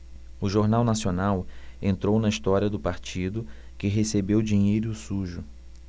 o jornal nacional entrou na história do partido que recebeu dinheiro sujo